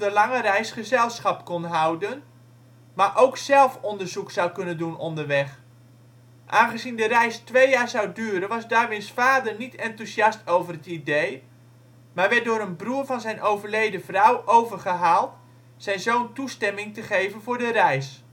lange reis gezelschap kon houden, maar ook zelf onderzoek zou kunnen doen onderweg. Aangezien de reis twee jaar zou duren was Darwins vader niet enthousiast over het idee, maar werd door een broer van zijn overleden vrouw overgehaald zijn zoon toestemming te geven voor de reis